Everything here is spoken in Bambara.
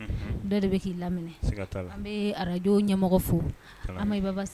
Unhun, bɛɛ de bɛ k'i laminɛ, an bɛ radio ɲɛmɔgɔ fo, Amɛyi Baba Si